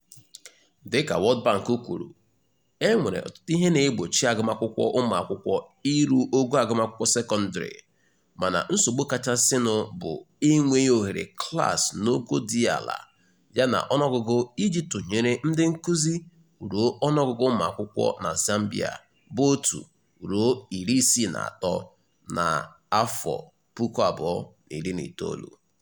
Dika World Bank kwuru, e nwere ọtụtụ ihe na-egbochi agụmakwụkwọ ụmụakwụkwọ irụ ogo agụmakwụkwọ sekọndrị mana nsogbu kachasị nụ bụ enweghị ohere klaasị n'ogo dị ala ya na ọnụọgụgụ iji tụnyere ndị nkụzi ruo ọnụọgụgụ ụmụakwụkwọ na Zambia bu 1 ruo 63 na 2011.